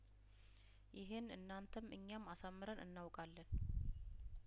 ይህን እናንተም እኛም አሳምረን እናውቃለን